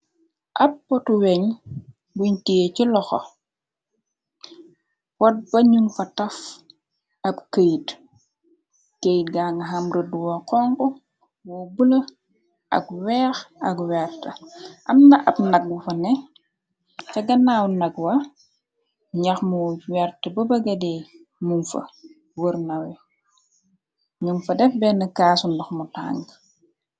Ap potu weñ buñ tiyee ci loxo pot ba ñyung fa taf ab kayt kayt gang hamrid wo kong woo bula ak weex ak weerta amna ab nag bu fa ne ca ganaaw nag wa ñax mu wert ba bagade u fa wërnawe ñyung fa def benn kaasu ndox mu tàngu.